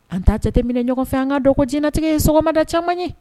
An t'a jate minɛ ɲɔgɔn fɛ, an ka dɔn ko diɲɛlatigɛ ye sɔgɔmada caaman ye.